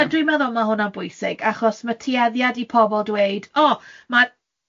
...ma' ma' dwi'n meddwl ma' hwnna'n bwysig, achos ma' tueddiad i pobl dweud, o ma'r